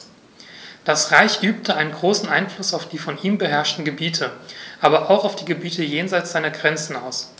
Das Reich übte einen großen Einfluss auf die von ihm beherrschten Gebiete, aber auch auf die Gebiete jenseits seiner Grenzen aus.